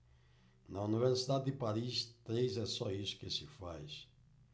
na universidade de paris três é só isso que se faz